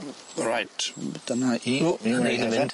Reit dyna i-